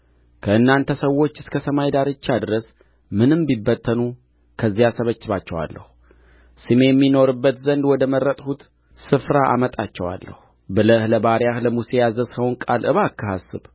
ከእናንተ ሰዎች እስከ ሰማይ ዳርቻ ድረስ ምንም ቢበተኑ ከዚያ እሰበስባቸዋለሁ ስሜም ይኖርበት ዘንድ ወደ መረጥሁት ስፍራ አመጣቸዋለሁ ብለህ ለባሪያህ ለሙሴ ያዘዝኸውን ቃል እባክህ አስብ